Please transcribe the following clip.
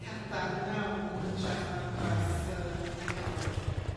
cadarnhaol yn hytrach na rwbath yy negyddol lly.